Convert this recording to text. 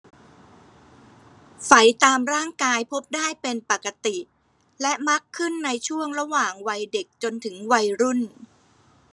ไฝตามร่างกายพบได้เป็นปกติและมักขึ้นในช่วงระหว่างวัยเด็กจนถึงวัยรุ่น